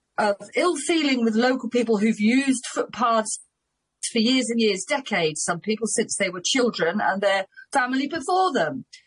of ill feeling with local people who've used footpaths for years and years, decades some people since they were children, and their family before them.